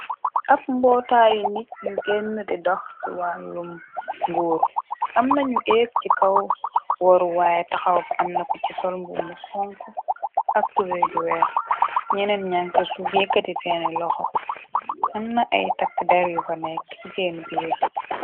ab mbootaayu nit yu génn di dox ci wàllum nguuru amnañu éek ci kaw woruwaaye taxawfa amna ku ci solmbu mbu konk aktuvedwer ñeneen ñang cu suviekati seen loxo amna ay takk der yu fa nekk ci seen biir